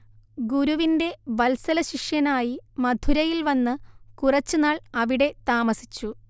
ഗുരുവിന്റെ വത്സലശിഷ്യനായി മധുരയിൽ വന്ന് കുറച്ചുനാൾ അവിടെ താമസിച്ചു